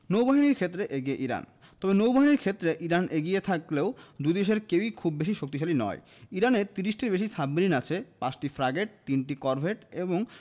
নৌবাহিনীর ক্ষেত্রে এগিয়ে ইরান তবে নৌবাহিনীর ক্ষেত্রে ইরান এগিয়ে থাকলেও দুই দেশের কেউই খুব বেশি শক্তিশালী নয় ইরানের ৩০টির বেশি সাবমেরিন আছে ৫টি ফ্র্যাগেট ৩টি করভেট এবং